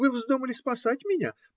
Вы вздумали спасать меня?